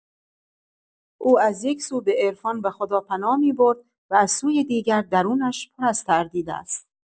او از یک‌سو به عرفان و خدا پناه می‌برد و از سوی دیگر، درونش پر از تردید است.